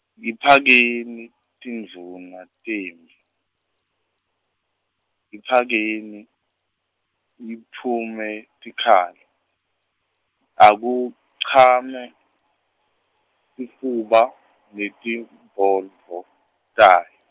yiphakeni tindvuna temphi, Yiphakeni, iphume tinkhalo, Akugcame sifuba netimphondvo tayo.